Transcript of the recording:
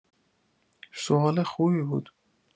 سوال خوبی بود